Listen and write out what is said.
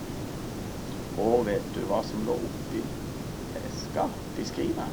Og vet du hva som lå oppi ki eska oppi skrinet?